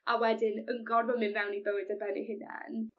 a wedyn yn gorfod mynd fewn i bywyd ar ben 'u hunan